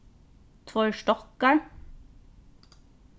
tveir stokkar